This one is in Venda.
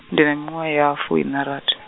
ndi na miṅwaha ya, fuiṋarathi.